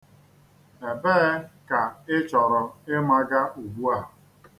Ebee ka Ị chọrọ ịmaga ugbua?